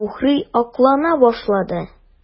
Мухрый аклана башлады.